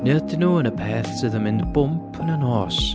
Neu ydyn nhw yn y peth sydd yn mynd bwmp yn y nos?